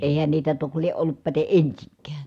eihän niitä toki lie ollut päten ensinkään